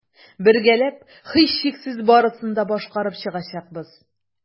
Бергәләп, һичшиксез, барысын да башкарып чыгачакбыз.